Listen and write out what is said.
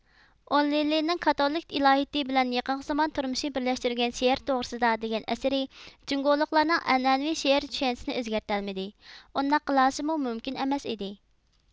ئون لىلىنىڭ كاتولىك ئىلاھىيىتى بىلەن يېقىنقى زامان تۇرمۇشى بىرلەشتۈرۈلگەن شېئىر توغرىسىدا دېگەن ئەسىرى جۇڭگولۇقلارنىڭ ئەنئەنىۋى شېئىرچۈشەنچىسىنى ئۆزگەرتەلمىدى ئۇنداق قىلالىشىمۇ مۇمكىن ئەمەس ئىدى